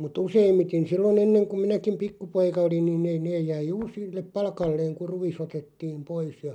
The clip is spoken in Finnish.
mutta useimmiten silloin ennen kun minäkin pikkupoika olin niin ei ne jäi juuri sille paikalleen kun ruis otettiin pois ja